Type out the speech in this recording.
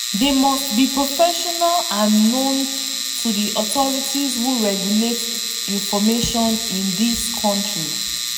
They must be professional and known to the authorities who regulate information in this country.